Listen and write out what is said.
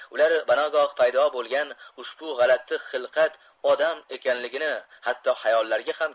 ular banogoh paydo bo'lgan ushbu g'alati xilqat odam ekanligini hatto